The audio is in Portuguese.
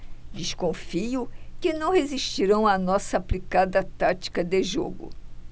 desconfio que não resistirão à nossa aplicada tática de jogo